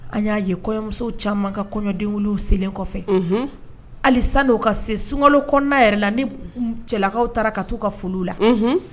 An y'a ye kɔɲɔmuso caaman ka kɔɲɔdenkundiw selen kɔfɛ, unhun, halisa sani o ka se sunkalo kɔnɔna yɛrɛ la ni cɛlakaw taara ka t'u ka foli la